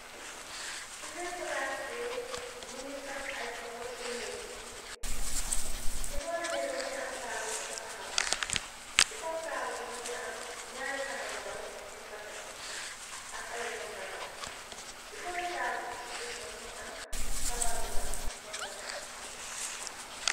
ci miir palaas bi ñi ngi taf ay foto ci miir bi ci boori miir bi mi ngi am taabal bu fataxaw ci kaw taabal bi mi ngi am ñaari tamay ndaw yin fa tekk ak ay yeneen bagaas ci boori taabal bi ci suub na mi ngi am sabar bu mag bun fa tekk